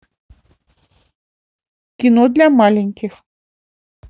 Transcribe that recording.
кино для маленьких